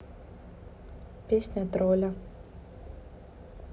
песня тролля